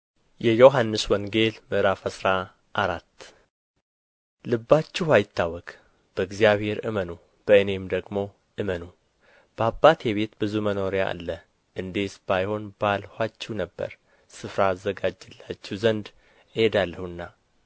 የዮሐንስ ወንጌል ምዕራፍ አስራ አራት ልባችሁ አይታወክ በእግዚአብሔር እመኑ በእኔም ደግሞ እመኑ በአባቴ ቤት ብዙ መኖሪያ አለ እንዲህስ ባይሆን ባልኋችሁ ነበር ስፍራ አዘጋጅላችሁ ዘንድ እሄዳለሁና